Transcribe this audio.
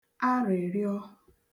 arị̀rịọ